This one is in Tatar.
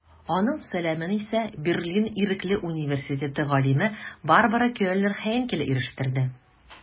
Аның сәламен исә Берлин Ирекле университеты галиме Барбара Кельнер-Хейнкель ирештерде.